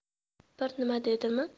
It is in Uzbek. bir nima dedimi